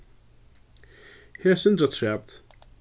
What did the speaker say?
her er eitt sindur afturat